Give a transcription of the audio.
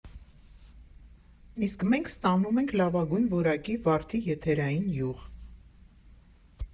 ֊ Իսկ մենք ստանում ենք լավագույն որակի վարդի եթերային յուղ»։